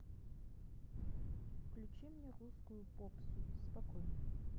включи мне русскую попсу спокойную